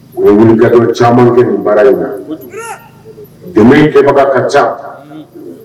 U ye wulikajɔ caman kɛ nin baara in na, kojugu, dɛmɛ kɛbaga ka ca